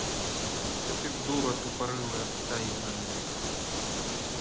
ты дура тупорылая овца ебаная